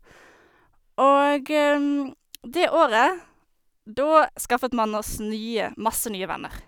Og det året, da skaffet man oss nye masse nye venner.